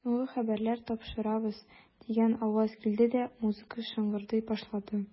Соңгы хәбәрләр тапшырабыз, дигән аваз килде дә, музыка шыңгырдый башлады.